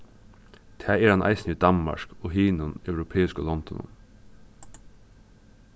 tað er hann eisini í danmark og hinum europeisku londunum